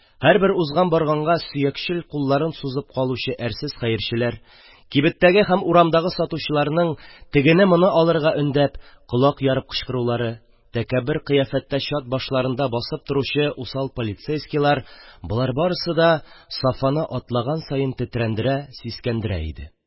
Һәрбер узган-барганга сөякчел кулларын сузып калучы әрсез хәерчеләр, кибеттәге һәм урамдагы сатучыларның тегене-моны алырга өндәп колак ярып кычкырулары, тәкәббер кыяфәттә чат башларында басып торучы усал полицейскийлар – болар барысы да Сафаны атлаган саен тетрәндерә, сискәндерә иде.